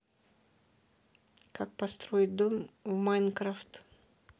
как построить дом в майнкрафт